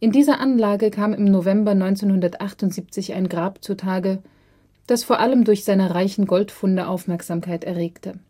dieser Anlage kam im November 1978 ein Grab zu Tage, das vor allem durch seine reichen Goldfunde Aufmerksamkeit erregte